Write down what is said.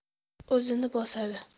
o'zini bosadi